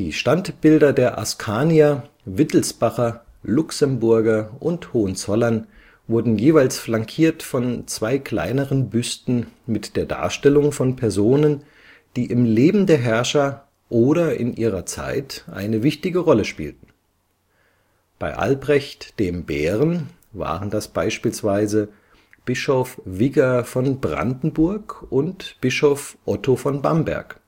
Standbilder der Askanier, Wittelsbacher, Luxemburger und Hohenzollern wurden jeweils flankiert von zwei kleineren Büsten mit der Darstellung von Personen, die im Leben der Herrscher oder in ihrer Zeit eine wichtige Rolle spielten. Bei Albrecht dem Bären waren das beispielsweise Bischof Wigger von Brandenburg und Bischof Otto von Bamberg